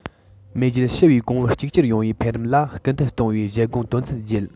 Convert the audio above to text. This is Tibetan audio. མེས རྒྱལ ཞི བས གོང བུ གཅིག གྱུར ཡོང བའི འཕེལ རིམ ལ སྐུལ འདེད གཏོང བའི བཞེད དགོངས དོན ཚན བརྒྱད